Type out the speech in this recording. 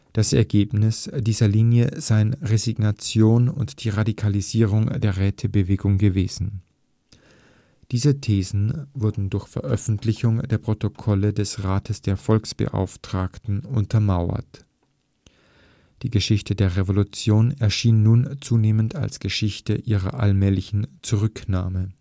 Das Ergebnis dieser Linie seien Resignation und die Radikalisierung der Rätebewegung gewesen. Diese Thesen wurden durch Veröffentlichung der Protokolle des Rats der Volksbeauftragten untermauert. Die Geschichte der Revolution erschien nun zunehmend als Geschichte ihrer allmählichen Zurücknahme